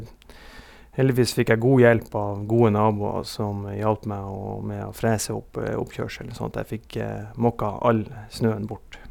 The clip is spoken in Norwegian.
Heldigvis fikk jeg god hjelp av gode naboer som hjalp meg å med å frese opp oppkjørselen sånn at jeg fikk måka all snøen bort.